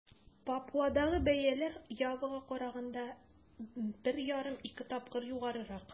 Папуадагы бәяләр Явага караганда 1,5-2 тапкыр югарырак.